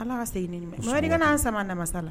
Ala ka segin se nin mɔgɔin n sama namasa la